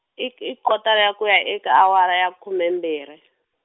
i k-, i kotara kuya eka awara ya khume mbhiri .